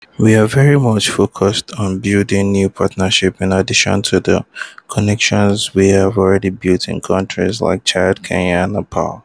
We're very much focused on building new partnerships in addition to the connections we've already built in countries like Chad, Kenya, and Nepal.